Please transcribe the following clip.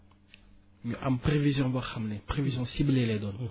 ñu am prévision boo xam ne prévision ciblée lay doon